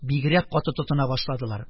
Бигрәк каты тотына башладылар.